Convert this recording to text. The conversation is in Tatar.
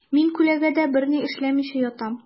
Мин күләгәдә берни эшләмичә яттым.